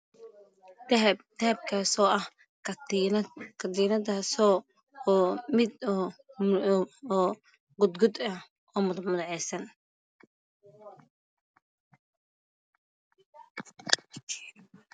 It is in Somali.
Dahab kaaso ah katiinad oo mud mucayan